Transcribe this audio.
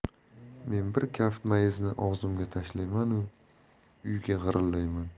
men bir kaft mayizni og'zimga tashlaymanu uyga g'irillayman